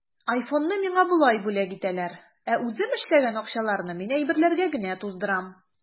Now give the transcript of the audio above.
Айфонны миңа болай бүләк итәләр, ә үзем эшләгән акчаларны мин әйберләргә генә туздырам.